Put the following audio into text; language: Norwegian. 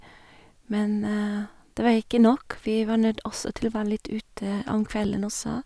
Men det var ikke nok, vi var nødt også til å være litt ute om kvelden også.